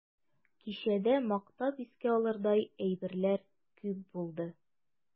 Кичәдә мактап искә алырдай әйберләр күп булды.